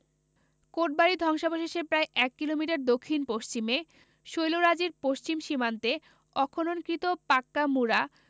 কোটবাড়ি ধ্বংসাবশেষের প্রায় এক কিলোমিটার দক্ষিণ পশ্চিমে শৈলরাজির পশ্চিম সীমান্তে অখননকৃত পাক্কা মুড়া